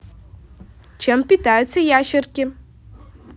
чем питаются ящерки